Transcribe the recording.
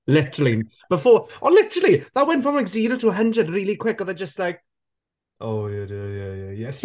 Literally ma' fo ond literally that went from like zero to hundred really quick oedd e just like, "Oh yeah d- yeah yeah yeah."